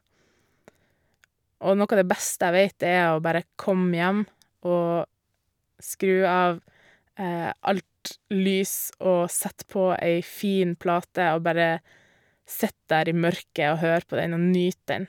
Og noe av det beste jeg vet er å bare komme hjem og skru av alt lys og sette på ei fin plate og bare sitte der i mørket og høre på den og nyte den.